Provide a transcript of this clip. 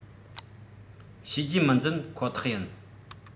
བྱས རྗེས མི འཛིན ཁོ ཐག ཡིན